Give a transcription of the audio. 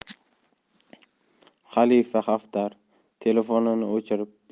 xalifa xaftar telefonini o'chirib